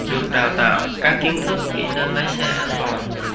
được đào tạo các kiến thức kỹ năng lái xe an toàn